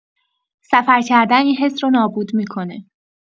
سفر کردن این حس رو نابود می‌کنه.